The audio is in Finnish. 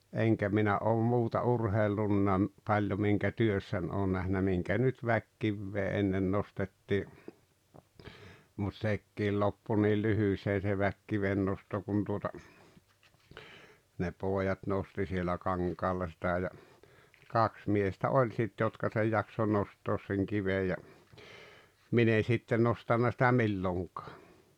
enkä minä ole muuta urheillut paljon minkä työssäni olen nähnyt minkä nyt väkikiveä ennen nostettiin mutta sekin loppui niin lyhyeen se väkikivennosto kun tuota ne pojat nosti siellä kankaalla sitä ja kaksi miestä oli sitten jotka sen jaksoi nostaa sen kiven ja minä en sitten nostanut sitä milloinkaan